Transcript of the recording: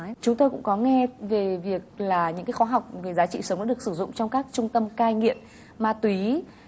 chúng tôi cũng có nghe về việc là những cái khóa học về giá trị sống được sử dụng trong các trung tâm cai nghiện ma túy